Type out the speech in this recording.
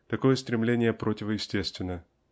Такое стремление противоестественно